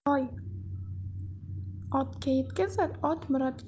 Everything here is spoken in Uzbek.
toy otga yetkazar ot murodga